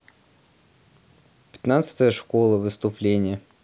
пятнадцатая школа выступление